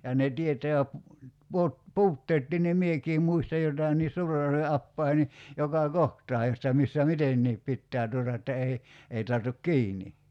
ja ne tietää - puutteetkin niin minäkin muistan jotakin niin Suurenjärven apajien niin joka kohtaa jotta missä mitenkin pitää tuota että ei ei tartu kiinni